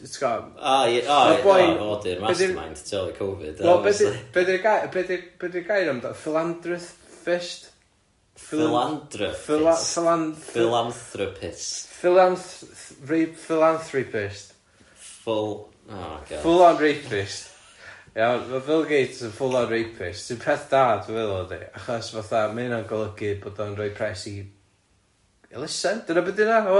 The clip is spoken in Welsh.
A i- A ia... ...fo 'di'r mastermind tu ôl i Covid... Wel be sy'- be 'di'r gair amdan- ...philanthropist... ...full on rapist, iawn, ma' Bill Gates yn full on rapist sy'n peth da dwi'n meddwl ydi achos ma' hynna fatha'n golygu fod o'n rhoi pres i, elusen? Dyna be 'di hynna, Hywel?